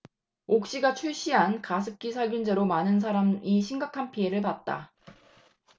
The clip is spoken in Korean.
옥시가 출시한 가습기살균제로 많은 사람이 심각한 피해를 봤다